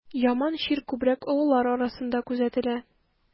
Яман чир күбрәк олылар арасында күзәтелә.